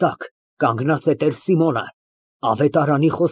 ՄԱՐԳԱՐԻՏ ֊ (Գլուխը բարձրացնելով) Իսկ եթե նա զրպարտիչ չէ, այն ժամանա՞կ։